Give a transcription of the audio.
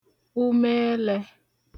ume elē